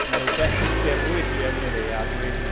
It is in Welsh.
Mae 'na rhywbeth yn berwi tu fewn i fi, a dwi...